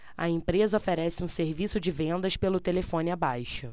a empresa oferece um serviço de vendas pelo telefone abaixo